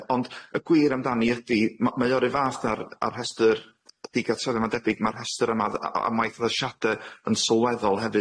Ond y gwir amdani ydi ma' mae o ru' fath â'r â'r rhestr d- d- digartrefedd ma debyg. Ma'r rhestr yma dd- a a maith efo addasiade yn sylweddol hefyd,